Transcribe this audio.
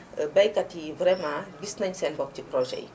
baykat yi vraiment gis nañu seen bopp si projets yi